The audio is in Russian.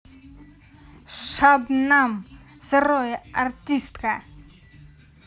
shabnam сырое артистка